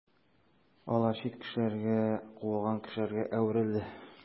Алар чит кешеләргә, куылган кешеләргә әверелде.